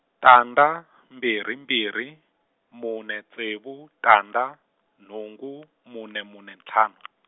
tandza mbirhi mbirhi, mune ntsevu tandza, nhungu mune mune ntlhanu.